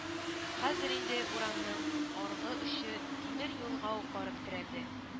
Хәзер инде урамның аргы очы тимер юлга ук барып терәлде